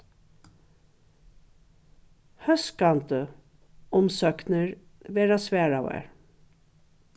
hóskandi umsóknir verða svaraðar